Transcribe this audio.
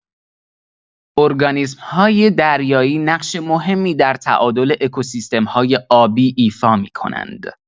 ارگانیسم‌های دریایی نقش مهمی در تعادل اکوسیستم‌های آبی ایفا می‌کنند.